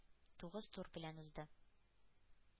Тугыз тур белән узды.